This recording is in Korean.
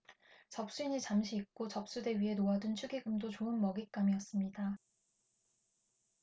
접수인이 잠시 잊고 접수대 위에 놓아둔 축의금도 좋은 먹잇감이었습니다